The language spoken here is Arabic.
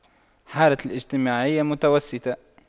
حالتي الاجتماعية متوسطة